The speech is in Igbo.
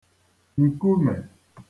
nkumè